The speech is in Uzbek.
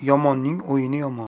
yomonning o'yini yomon